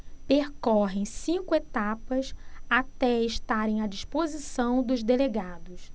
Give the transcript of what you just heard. percorrem cinco etapas até estarem à disposição dos delegados